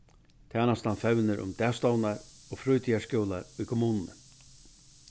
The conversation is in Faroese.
tænastan fevnir um dagstovnar og frítíðarskúlar í kommununi